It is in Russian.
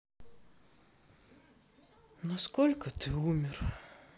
на сколько ты умер